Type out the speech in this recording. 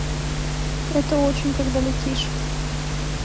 это очень когда летишь